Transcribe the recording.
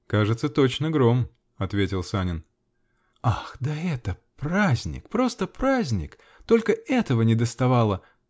-- Кажется, точно гром, -- ответил Санин. -- Ах, да это праздник! просто праздник! Только этого недоставало !